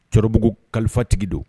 Cɛkɔrɔbabugu kalifatigi don